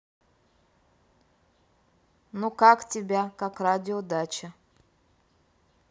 ну как тебя как радио дача